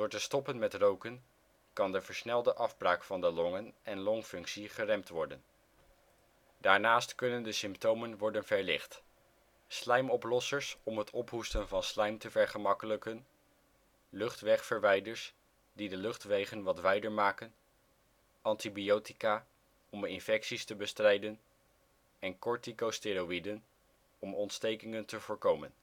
te stoppen met roken kan de versnelde afbraak van de longen en longfunctie geremd worden. Daarnaast kunnen de symptomen worden verlicht: slijmoplossers om het ophoesten van slijm te vergemakkelijken, luchtwegverwijders die de luchtwegen wat wijder maken, antibiotica om infecties te bestrijden en corticosteroïden om ontstekingen te voorkomen